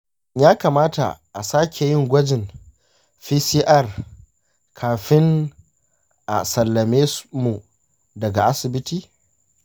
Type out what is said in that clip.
shin ya kamata a sake yin gwajin pcr kafin a sallame mu daga asibiti?